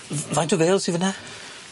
F- faint o fêl sy fyn 'na?